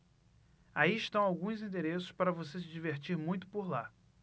aí estão alguns endereços para você se divertir muito por lá